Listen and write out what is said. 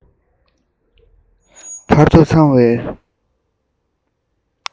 བར དུ འཚང བའི